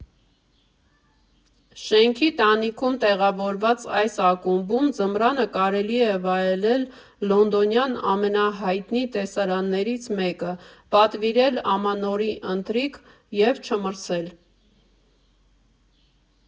Շենքի տանիքում տեղավորված այս ակումբում ձմռանը կարելի է վայելել լոնդոնյան ամենահայտնի տեսարաններից մեկը, պատվիրել ամանորի ընթրիք և չմրսել։